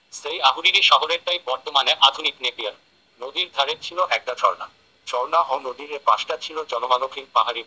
সেই আহুরিরি শহরেরটাই বর্তমানে আধুনিক নেপিয়ার নদীর ধারে ছিল একটা ঝরনা ঝরনা ও নদীর এ পাশটা ছিল জনমানবহীন পাহাড়ি